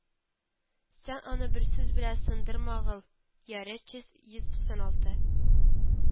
Сән аны бер сүз белә сындырмагыл, йаре чөст йөз туксан алты